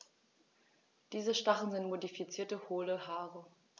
Diese Stacheln sind modifizierte, hohle Haare.